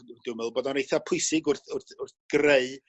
dwi'n me'wl bod o'n eitha pwysig wrth wrth wrth greu